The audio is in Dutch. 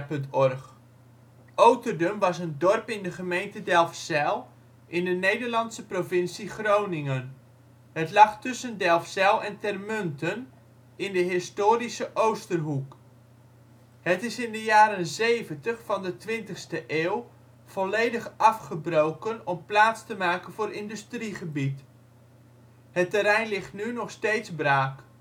OL Oterdum was een dorp in de gemeente Delfzijl in de Nederlandse provincie Groningen. Het lag tussen Delfzijl en Termunten in de historische Oosterhoek. Het is in de jaren zeventig van de twintigste eeuw volledig afgebroken om plaats te maken voor industriegebied. Het terrein ligt nu nog steeds braak